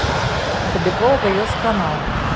у кобякова появился канал